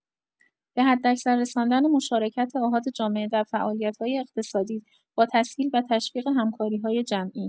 به حداکثر رساندن مشارکت آحاد جامعه در فعالیت‌های اقتصادی با تسهیل و تشویق همکاری‌های جمعی